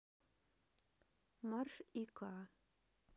марш и ка